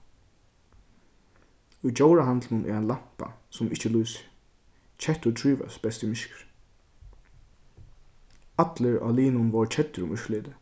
í djórahandlinum er ein lampa sum ikki lýsir kettur trívast best í myrkri allir á liðnum vóru keddir um úrslitið